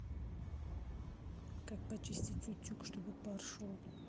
как почистить утюг чтобы пар шел